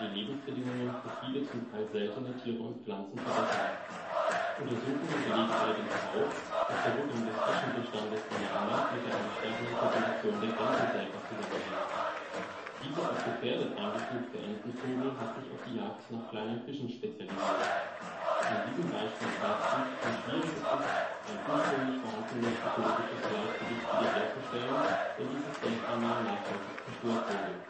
Lebensbedingungen für viele zum Teil seltene Tiere und Pflanzen zu verbessern. Untersuchungen belegen allerdings auch, dass der Rückgang des Äschenbestandes an der Ammer mit der ansteigenden Population der Gänsesäger zusammenhängt. Dieser als gefährdet eingestufte Entenvogel hat sich auf die Jagd nach kleinen Fischen spezialisiert. An diesem Beispiel zeigt sich, wie schwierig es ist, ein ursprünglich vorhandenes ökologisches Gleichgewicht wiederherzustellen, wenn dieses erst einmal nachhaltig gestört wurde